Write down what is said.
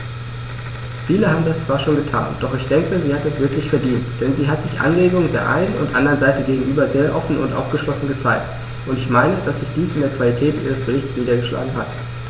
Viele haben das zwar schon getan, doch ich denke, sie hat es wirklich verdient, denn sie hat sich Anregungen der einen und anderen Seite gegenüber sehr offen und aufgeschlossen gezeigt, und ich meine, dass sich dies in der Qualität ihres Berichts niedergeschlagen hat.